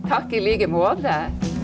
takk i like måte.